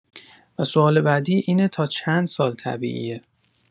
و سوال بعدی اینه تا چند سال طبیعیه؟